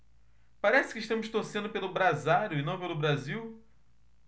parece que estamos torcendo pelo brasário e não pelo brasil